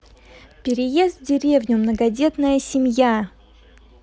переезд в деревню многодетная семья